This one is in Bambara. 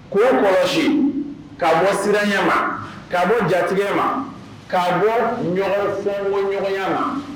K' ye kɔlɔsi k'a bɔ siranya ma k'a bɔ jatigi ma k'a bɔ ɲɔ fɔ bɔ ɲɔgɔnya ma